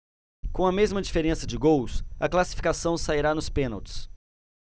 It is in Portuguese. com a mesma diferença de gols a classificação sairá nos pênaltis